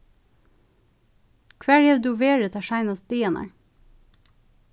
hvar hevur tú verið teir seinastu dagarnar